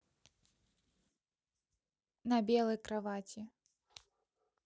на белой кровати